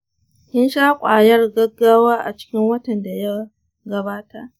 kin sha kwayar gaggawa a cikin watan da ya gabata?